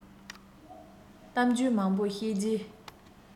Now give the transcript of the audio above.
གཏམ རྒྱུད མང པོ བཤད རྗེས